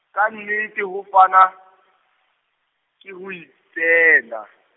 ka nnete ho fana, ke ho ipeela.